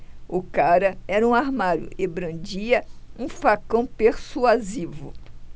o cara era um armário e brandia um facão persuasivo